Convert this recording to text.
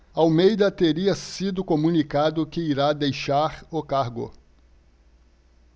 almeida teria sido comunicado que irá deixar o cargo